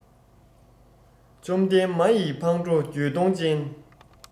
བཅོམ ལྡན མ ཡི ཕང འགྲོ རྒྱུད སྟོང ཅན